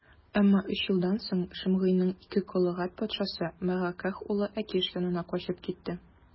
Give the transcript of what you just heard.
Әмма өч елдан соң Шимгыйның ике колы Гәт патшасы, Мәгакәһ углы Әкиш янына качып китте.